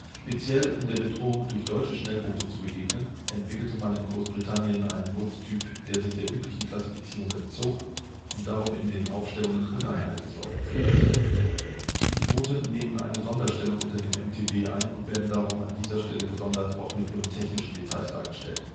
Speziell um der Bedrohung durch deutsche Schnellboote zu begegnen, entwickelte man einen Bootstyp, der sich der üblichen Klassifizierung entzog und darum in den Aufstellungen uneinheitlich aufgeführt ist. Diese Boote nehmen eine Sonderstellung unter den MTB ein und werden darum an dieser Stelle gesondert auch mit ihren technischen Details dargestellt